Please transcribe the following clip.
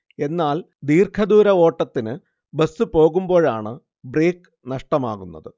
എന്നാൽ ദീർഘദൂര ഓട്ടത്തിന് ബസ് പോകുമ്പോഴാണ് ബ്രേക്ക് നഷ്ടമാകുന്നത്